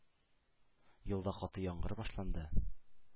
Юлда каты яңгыр башланды.